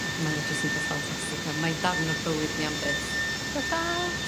mae o jyst yn peth fantastic a mae'n darn o bywyd ni am byth. Ta ta.